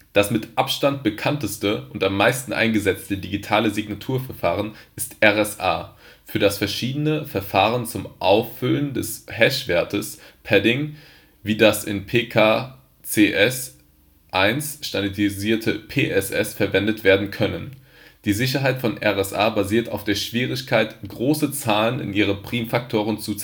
Das mit Abstand bekannteste und am meisten eingesetzte digitale Signaturverfahren ist RSA, für das verschiedene Verfahren zum Auffüllen des Hash-Wertes (Padding), wie das in PKCS#1 standardisierte PSS, verwendet werden können. Die Sicherheit von RSA basiert auf der Schwierigkeit, große Zahlen in ihre Primfaktoren zu zerlegen